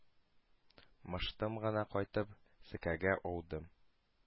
Мыштым гына кайтып, сәкегә аудым.